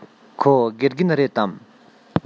ཁོ དགེ རྒན རེད དམ